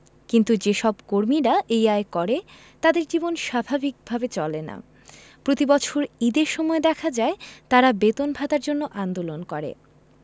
কিন্তু যেসব কর্মীরা এই আয় করে তাদের জীবন স্বাভাবিক ভাবে চলে না প্রতিবছর ঈদের সময় দেখা যায় তারা বেতন ভাতার জন্য আন্দোলন করে